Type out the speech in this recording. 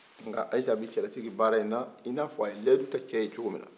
nka ayisa bi cɛlasigi baara in na i n'a fɔ a ye lahidu ta cɛ ye cogo min na